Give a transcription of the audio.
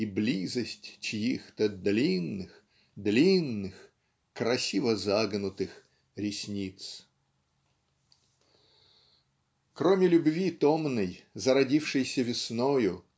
И близость чьих-то длинных длинных Красиво загнутых ресниц. Кроме любви томной зародившейся весною